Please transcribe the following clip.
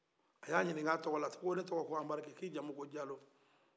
a ye a ɲini kan tɔgɔ la a ko ne tɔgɔ anbarike ne amu ye jalo